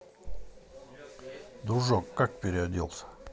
дружок как переоделся